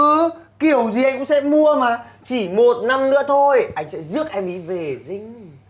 ờ kiểu gì anh cũng sẽ mua mà chỉ một năm nữa thôi anh sẽ rước em về dinh